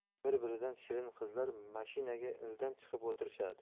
biri biridan shirin qizlar mashinaga ildam chiqib o'tirishadi